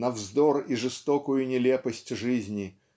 на вздор и жестокую нелепость жизни